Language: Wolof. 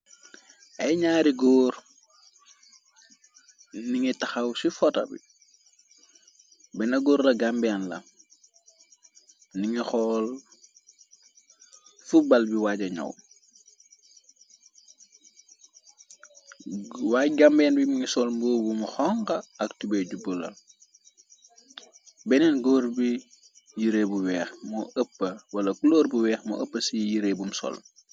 Ay ñaari góor, ningi taxaw ci fota bi, benna góor la gambeen la, ningi xool fubbal bi waaja ñow, waay gambeen bi mungi sol mboobumu xonga, ak tubee jubbla, benneen gór bi yirée bu weex, mwala kloor bu weex moo ëpp ci yiree bum sol.